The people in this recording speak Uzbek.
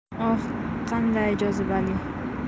oh qanday jozibali